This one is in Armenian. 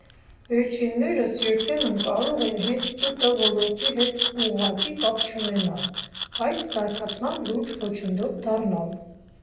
Վերջիններս երբեմն կարող են հենց ՏՏ ոլորտի հետ ուղղակի կապ չունենալ, բայց զարգացման լուրջ խոչընդոտ դառնալ.